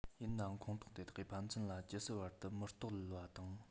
ཡིན ནའང ཁོག སྟོང དེ དག གི ཕན ཚུན བར ཇི སྲིད བར དུ མི བརྟོལ བ དང